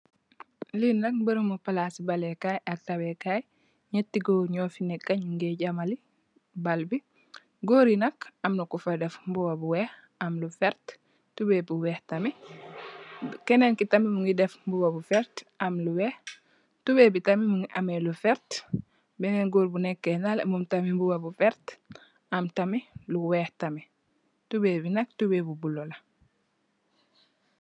Lee nak meremu plase balekaye ak dawekaye nyate goor nufe neka nuge jamale bal be goor ye nak amna kufa def muba bu weex am lu verte tubaye bu weex tamin kenenke tamin muge def muba bu verte am lu weex tubaye be tamin muge ameh lu verte benen goor bu neke nale mum tam muba bu verte am lu tamin lu weex tamin tubaye be nak tubaye bu bulo la.